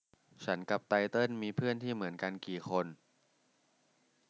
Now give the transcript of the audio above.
ฉันกับไตเติ้ลมีเพื่อนที่เหมือนกันกี่คน